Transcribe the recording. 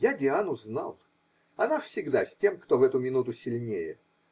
Я Диану знал, она всегда с тем, кто в эту минуту сильнее